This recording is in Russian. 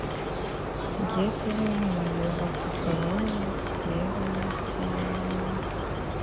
гетеры майора соколова первая серия